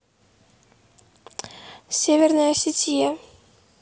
северная осетия